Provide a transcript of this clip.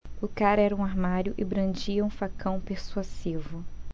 o cara era um armário e brandia um facão persuasivo